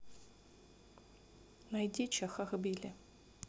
найди чахохбили